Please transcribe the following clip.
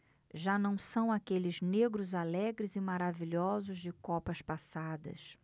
já não são aqueles negros alegres e maravilhosos de copas passadas